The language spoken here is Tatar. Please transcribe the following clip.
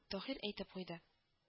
Таһир әйтеп куйды: